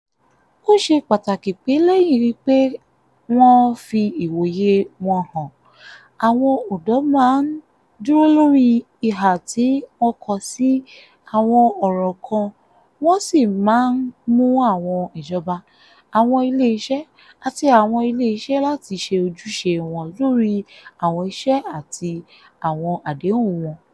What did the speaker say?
Ó ṣe pàtàkì pé lẹ́yìn pé wọ́n fi ìwòye wọn hàn, àwọn ọ̀dọ́ máa ń dúró lórí ìhà tí wọ́n kọ sí àwọn ọ̀ràn kan wọ́n sì máa ń mú àwọn ìjọba, àwọn ilé iṣẹ́, àti àwọn ilé iṣẹ́ láti ṣe ojúṣe wọn lórí àwọn ìṣe àti àwọn àdéhùn wọn.